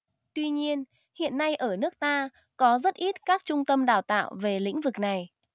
tuy nhiên hiện nay ở nước ta có rất ít các trung tâm đào tạo về lĩnh vực này